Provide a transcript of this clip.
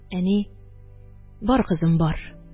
Әни: – Бар, кызым, бар.